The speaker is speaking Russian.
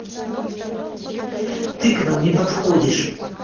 ты к нам не подходишь